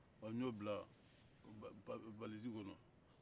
ɔ n y'o bila valise kɔnɔ